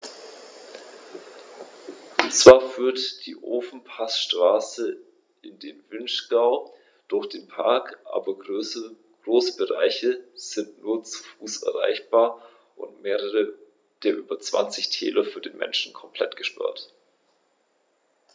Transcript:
Zwar führt die Ofenpassstraße in den Vinschgau durch den Park, aber große Bereiche sind nur zu Fuß erreichbar und mehrere der über 20 Täler für den Menschen komplett gesperrt.